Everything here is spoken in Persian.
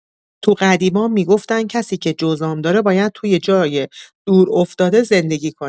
تو قدیما می‌گفتن کسی که جذام داره، باید توی یه جای دورافتاده زندگی کنه.